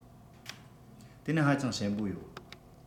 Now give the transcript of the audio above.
དེ ནི ཧ ཅང ཞན པོ ཡོད